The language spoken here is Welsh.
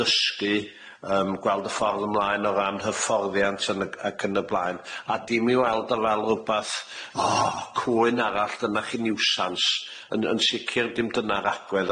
dysgu yym gweld y ffordd ymlaen o ran hyfforddiant yn y ac yn y blaen a dim i weld o fel rwbath oh cwyn arall dyna chi niwsans yn yn sicir dim dyna'r agwedd,